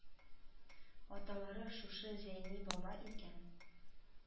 Аталары шушы Зәйни баба икән